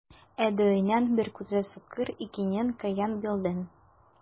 Ә дөянең бер күзе сукыр икәнен каян белдең?